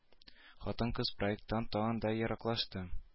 Хатын-кыз проект тан тагын да ераклашты